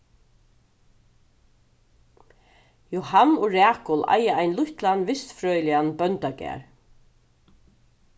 jóhan og rakul eiga ein lítlan vistfrøðiligan bóndagarð